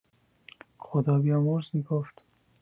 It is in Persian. خدابیامرز می‌گفت